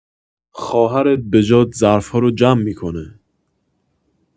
خواهرت به جات ظرف‌ها رو جمع می‌کنه.